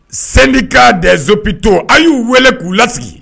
Sendi' dɛsɛsonop to a y'u wele k'u lasigi